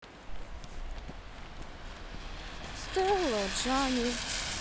стелла джанни